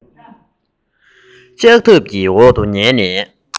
ལྕགས ཐབ ཀྱི འོག ཏུ ཉལ ནས